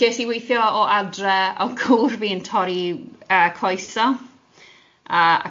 Ges i yym ges i weithio o adre, o'dd gŵr fi'n torri coes o